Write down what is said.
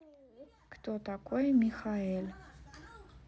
кто такой michael